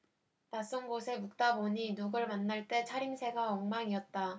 낯선 곳에 묵다 보니 누굴 만날 때 차림새가 엉망이었다